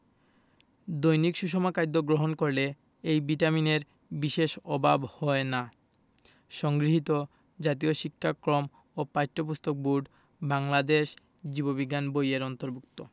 দৈনিক সুষম খাদ্য গ্রহণ করলে এই ভিটামিনের বিশেষ অভাব হয় না সংগৃহীত জাতীয় শিক্ষাক্রম ও পাঠ্যপুস্তক বোর্ড বাংলাদেশ জীব বিজ্ঞান বই এর অন্তর্ভুক্ত